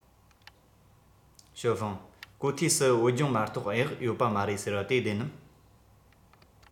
ཞའོ ཧྥུང གོ ཐོས སུ བོད ལྗོངས མ གཏོགས གཡག ཡོད པ མ རེད ཟེར བ དེ བདེན ནམ